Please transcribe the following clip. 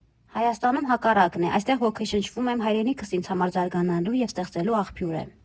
Հայաստանում հակառակն է։ Այստեղ ոգեշնչվում եմ, հայրենիքս ինձ համար զարգանալու և ստեղծելու աղբյուր է։